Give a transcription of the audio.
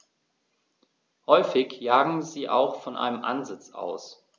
Häufig jagen sie auch von einem Ansitz aus.